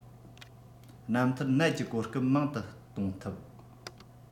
རྣམ ཐར ནད ཀྱི གོ སྐབས མང དུ གཏོང ཐུབ